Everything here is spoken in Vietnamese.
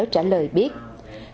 trả lời biết